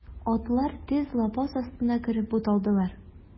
Атлар төз лапас астына кереп буталдылар.